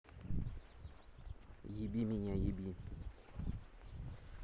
еби меня еби